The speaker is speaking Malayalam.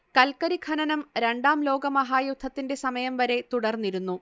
കൽക്കരി ഖനനം രണ്ടാം ലോകമഹായുദ്ധത്തിന്റെ സമയം വരെ തുടർന്നിരുന്നു